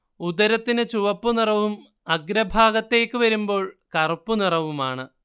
ഉദരത്തിനു ചുവപ്പ് നിറവും അഗ്രഭാഗത്തേക്ക് വരുമ്പോൾ കറുപ്പു നിറവുമാണ്